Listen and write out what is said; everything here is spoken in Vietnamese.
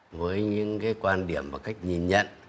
với những kí quan điểm và cách nhìn nhận